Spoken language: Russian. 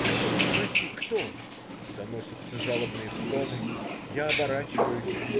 "Кто, спроси кто!" Доносятся жалобные стоны. Я оборачиваюсь.